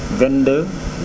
22